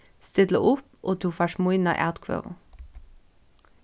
stilla upp og tú fært mína atkvøðu